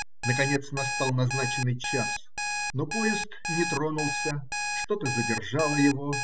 Наконец настал назначенный час, но поезд не тронулся: что-то задержало его.